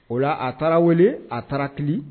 O la a taara wele a taara hakili